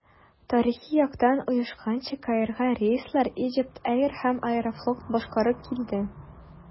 Тарихи яктан оешканча, Каирга рейсларны Egypt Air һәм «Аэрофлот» башкарып килде.